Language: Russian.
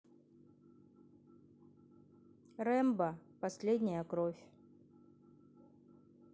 рэмбо последняя кровь